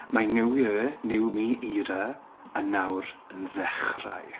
Mae New Year New Me era yn nawr yn ddechrau.